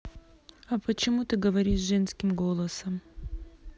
а почему ты говоришь женским голосом